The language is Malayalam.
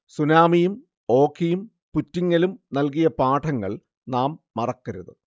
സുനാമിയും, ഓഖിയും, പുറ്റിങ്ങലും നൽകിയ പാഠങ്ങൾ നാം മറക്കരുത്